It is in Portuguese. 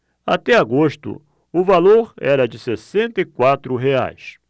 até agosto o valor era de sessenta e quatro reais